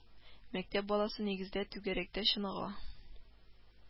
Мәктәп баласы, нигездә, түгәрәктә чыныга